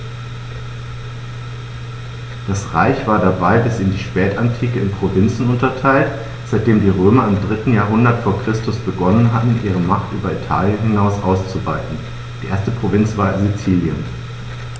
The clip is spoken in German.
Das Reich war dabei bis in die Spätantike in Provinzen unterteilt, seitdem die Römer im 3. Jahrhundert vor Christus begonnen hatten, ihre Macht über Italien hinaus auszuweiten (die erste Provinz war Sizilien).